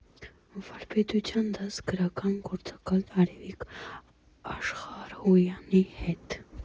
Վարպետության դաս գրական գործակալ Արևիկ Աշխարհոյանի հետ։